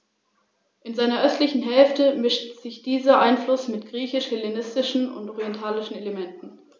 Das „Land der offenen Fernen“, wie die Rhön auch genannt wird, soll als Lebensraum für Mensch und Natur erhalten werden.